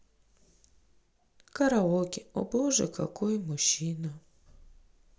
караоке о боже какой мужчина